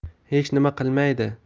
hech nima qilmaydi